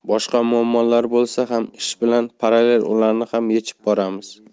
boshqa muammolari bo'lsa ham ish bilan parallel ularni ham yechib boramiz